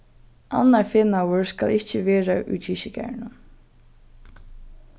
annar fenaður skal ikki verða í kirkjugarðinum